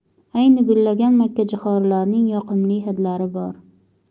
ayni gullagan makkajo'xorilarning yoqimli hidlari bor